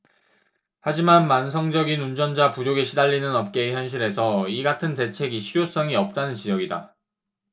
하지만 만성적인 운전자 부족에 시달리는 업계의 현실에서 이 같은 대책이 실효성이 없다는 지적이다